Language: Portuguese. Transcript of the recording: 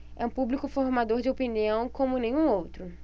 é um público formador de opinião como nenhum outro